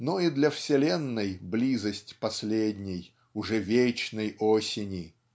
но и для вселенной близость последней уже вечной осени